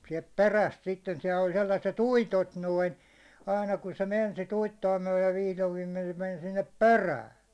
sieltä perästä sitten siellä oli sellaiset uitot noin aina kun se meni sitä uittoa myöden vihdoin viimein se meni sinne perään